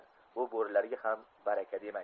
bu bo'rilarga ham baraka demak